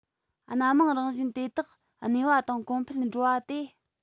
སྣ མང རང བཞིན དེ དག གནས པ དང གོང འཕེལ འགྲོ བ དེ